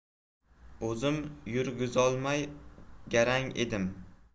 o'zim yurgizolmay garang edim